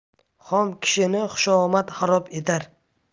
xom kishini xushomad xarob etar